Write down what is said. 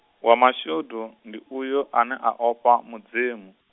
wa mashudu, ndi uyo, ane a ofha, Mudzimu.